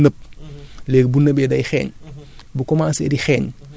parce que yooyu noonu yépp boo ko jaxasee xam nga day dem dafay am yoo xam ne day nëb